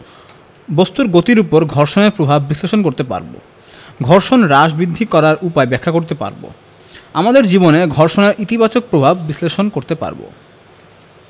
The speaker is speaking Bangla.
বস্তুর গতির উপর ঘর্ষণের প্রভাব বিশ্লেষণ করতে পারব ঘর্ষণ হ্রাস বৃদ্ধি করার উপায় ব্যাখ্যা করতে পারব আমাদের জীবনে ঘর্ষণের ইতিবাচক প্রভাব বিশ্লেষণ করতে পারব